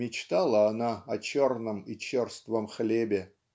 мечтала она о черном и черством хлебе.